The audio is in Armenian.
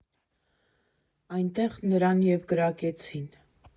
Այնտեղ նրան և կրակեցին։